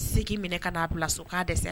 Seg minɛ ka n'a bila so k'a dɛsɛ